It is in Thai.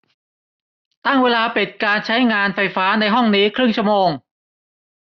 ตั้งเวลาปิดการใช้งานไฟฟ้าในห้องนี้ครึ่งชั่วโมง